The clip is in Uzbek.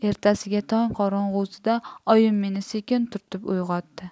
ertasiga tong qorong'isida oyim meni sekin turtib uyg'otdi